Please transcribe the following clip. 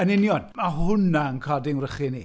Yn union, ma' hwnna'n codi ngwrychyn i.